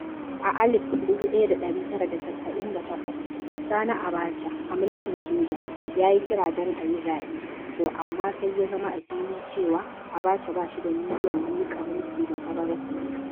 A 1998, Sani Abacha, a mulkin soja, ya yi kira don a yi zaɓe, to amma sai ya zama a fili cewa Abacha ba shi da niyyar miƙa mulki ga farar hula.